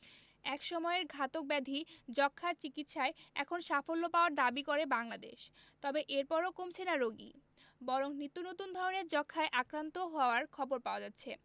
একসময়ের ঘাতক ব্যাধি যক্ষ্মার চিকিৎসায় এখন সাফল্য পাওয়ার দাবি করে বাংলাদেশ তবে এরপরও কমছে না রোগী বরং নিত্যনতুন ধরনের যক্ষ্মায় আক্রান্ত হওয়ার খবর পাওয়া যাচ্ছে